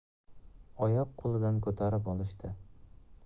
oyoq qo'lidan ko'tarib olishdi